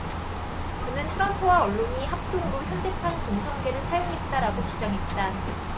그는 트럼프와 언론이 합동으로 현대판 공성계를 사용했다라고 주장했다